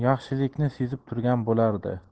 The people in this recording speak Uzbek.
yaxshilikni sezib turgan bo'lardi